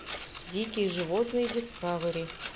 дикие животные дискавери